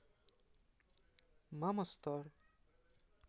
мама стар